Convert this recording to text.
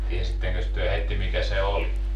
tiesittekös te heti mikä se oli